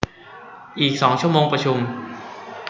อีกสองชั่วโมงประชุม